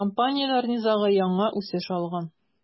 Компанияләр низагы яңа үсеш алган.